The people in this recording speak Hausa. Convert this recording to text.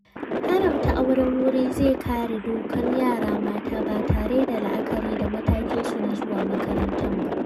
Haramta auren wurin zai kare dukkan yara mata, ba tare da la'akari da matakinsu na zuwa makaranta ba.